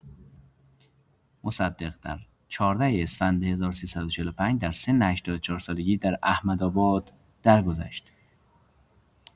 مصدق در ۱۴ اسفند ۱۳۴۵ در سن ۸۴ سالگی در احمدآباد درگذشت.